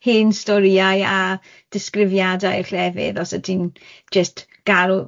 Hen storïau a disgrifiadau llefydd os ydyn jyst galw